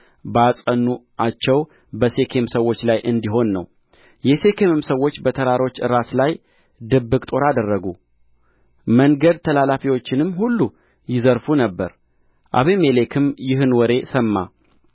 ባጸኑአቸው በሴኬም ሰዎች ላይ እንዲሆን ነው የሴኬምም ሰዎች በተራሮች ራስ ላይ ድብቅ ጦር አደረጉ መንገድ ተላላፊዎችንም ሁሉ ይዘርፉ ነበር አቤሜሌክም ይህን ወሬ ሰማ